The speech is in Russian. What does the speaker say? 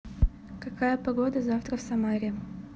какая погода завтра в самаре